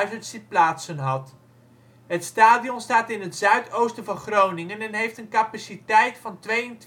zitplaatsen had. Het stadion staat in het zuidoosten van Groningen en heeft een capaciteit van 22.329